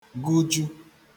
gụju